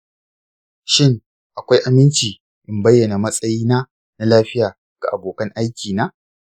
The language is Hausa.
shin akwai aminci in bayyana matsayina na lafiya ga abokan aiki na?